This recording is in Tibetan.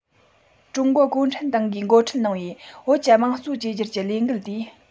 ཀྲུང གོ གུང ཁྲན ཏང གིས འགོ ཁྲིད གནང བའི བོད ཀྱི དམངས གཙོའི བཅོས སྒྱུར གྱི ལས འགུལ དེས